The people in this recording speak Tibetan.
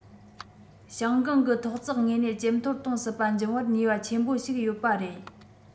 ཞང ཀང གི ཐོག བརྩེགས ངོས ནས ཇེ མཐོར གཏོང སྲིད པ འབྱུང བར ནུས པ ཆེན པོ ཞིག ཡོད པ རེད